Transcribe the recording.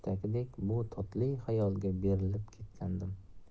totli xayolga berilib ketgandim